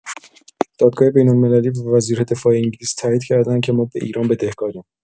دادگاه بین‌المللی و وزیر دفاع انگلیس تایید کرده‌اند که ما به ایران بدهکاریم.